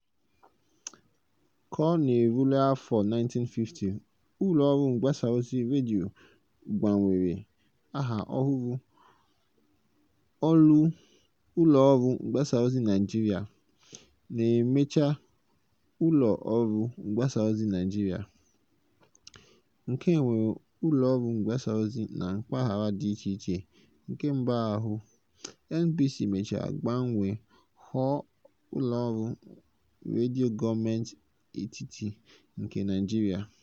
Ka ọ na-erule afọ 1950, ụlọ ọrụ mgbasa ozi redio gbanwere aha ọhụrụ — ụlọ ọrụ mgbasa ozi Naịjirịa (NBS) — ma mechaa, ụlọ ọrụ mgbasa ozi Naịjirịa (NBC), nke nwere ụlọ ọrụ mgbasa ozi na mpaghara dị iche iche nke mba ahụ. NBC mechara gbanwee ghọọ ụlọ ọrụ redio gọọmentị etiti nke Naịjirịa (FRCN) na 1978.